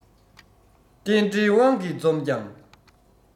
རྟེན འབྲེལ དབང གིས འཛོམས ཀྱང